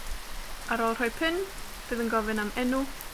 Ar ôl rhoi pin, bydd yn gofyn am enw.